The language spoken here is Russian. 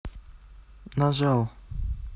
нажал